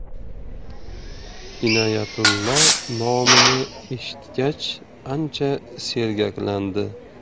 inoyatullo nomini eshitgach ancha sergaklandi